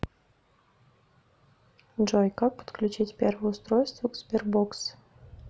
джой как подключить первое устройство к sberbox